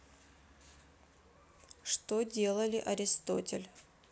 что делали аристотель